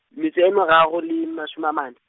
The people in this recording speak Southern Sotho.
metso e meraro, le metso a mane.